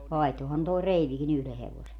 vaihtoihan tuo kreivikin yhden hevosen